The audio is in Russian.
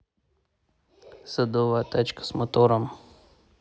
садовая тачка с мотором